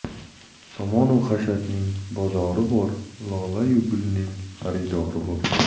somon u xashakning bozori bor lola yu gulning xaridori bor